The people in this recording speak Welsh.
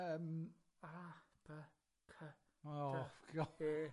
Yym. A By Cy...